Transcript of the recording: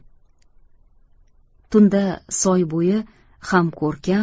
tunda soy boyi ham ko'rkam